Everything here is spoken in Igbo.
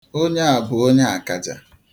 Onye a bụ onye akaja.